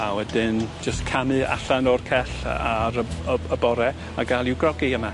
a wedyn jyst camu allan o'r cell a- ar y b- y bore a ga'l i'w grogi yma.